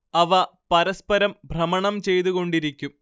അവ പരസ്പരം ഭ്രമണം ചെയ്തുകൊണ്ടിരിക്കും